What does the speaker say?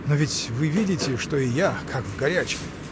Но ведь вы видите, что и я — как в горячке.